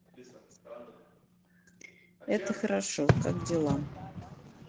это хорошо как дела